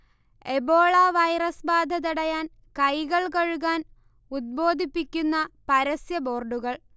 Ebola virus ബാധ തടയാൻ, കൈകൾ കഴുകാൻ ഉദ്ബോധിപ്പിക്കുന്ന പരസ്യ ബോർഡുകൾ